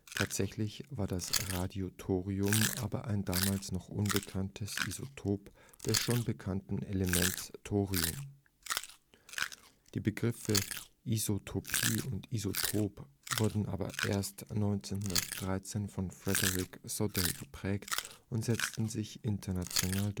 Tatsächlich war das Radiothorium aber ein damals noch unbekanntes Isotop des schon bekannten Elements Thorium, 228Th. Die Begriffe Isotopie und Isotop wurden aber erst 1913 von Frederick Soddy geprägt und setzten sich international